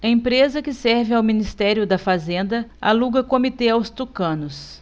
empresa que serve ao ministério da fazenda aluga comitê aos tucanos